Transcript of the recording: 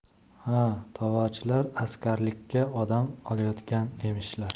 ha tavochilar askarlikka odam olayotgan emishlar